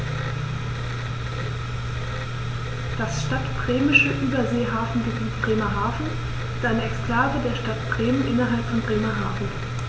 Das Stadtbremische Überseehafengebiet Bremerhaven ist eine Exklave der Stadt Bremen innerhalb von Bremerhaven.